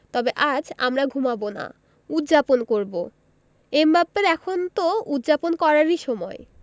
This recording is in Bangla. তবে আজ আমরা ঘুমাব না উদ্ যাপন করব এমবাপ্পের এখন তো উদ্ যাপন করারই সময়